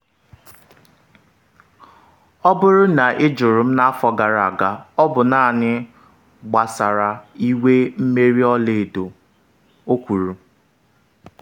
“Ọ bụrụ na ịjụrụ m n’afọ gara aga, ọ bụ naanị gbasara “Inwe mmeri ọla edo’. o kwuru.